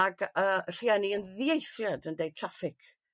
Ag yy y rhieni'n ddieithriad yn deu' traffic.